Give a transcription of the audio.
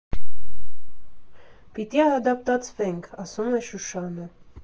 Պիտի ադապտացվենք,֊ ասում է Շուշանը։